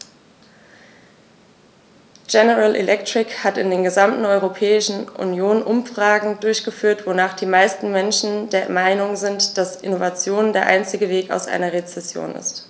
General Electric hat in der gesamten Europäischen Union Umfragen durchgeführt, wonach die meisten Menschen der Meinung sind, dass Innovation der einzige Weg aus einer Rezession ist.